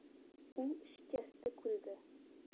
u shikasta kuldi